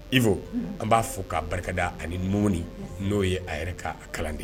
Iko an b'a fɔ k'a barika anium n'o ye a yɛrɛ kaa kalan de ye